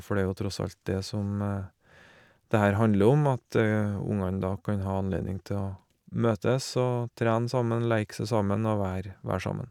For det er tross alt dét som det her handler om, at ungene da kan ha anledning til å møtes og trene sammen, leik seg sammen og vær være sammen.